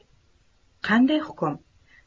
qanday hukm